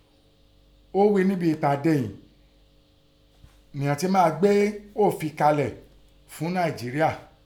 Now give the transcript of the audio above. Ó ghíi níbi ìpàdé ìín ni ghọn ti máa gbé òfi kalẹ̀ fún Nàìjiéríà